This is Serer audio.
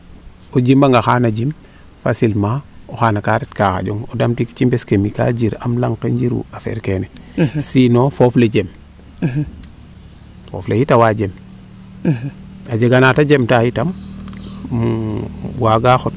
o jima nga o xaana jim facilement o xaana kaa retka xaƴong o damtik cimes kemi kaa njir dam laŋ ke njiru affaire keene si non foof le jem foof le yit awa jem a jega naate jem taa yitam waaga xot